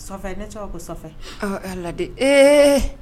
Ne tɔgɔ ko ladi ee